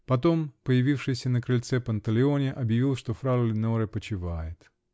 Притом появившийся на крыльце Панталеоне объявил, что фрау Леноре почивает.